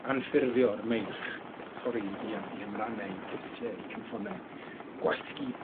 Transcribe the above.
Anffurfio'r meirch torri 'u am- 'u hamranne, 'u clustie 'u cynffone. Gwasgu